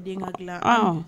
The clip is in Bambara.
Den ka dilan, ɔnhɔn.